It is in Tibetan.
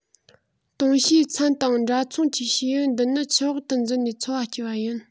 དུང བྱའི ཚན དང འདྲ མཚུངས ཀྱི བྱེའུ འདི ནི ཆུ འོག ཏུ འཛུལ ནས འཚོ བ སྐྱེལ བ ཡིན